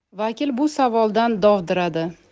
vakil bu savoldan dovdiradi